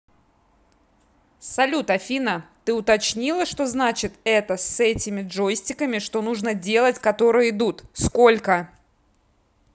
салют афина ты уточнила что значит это с этими джойстиками что нужно делать которые идут сколько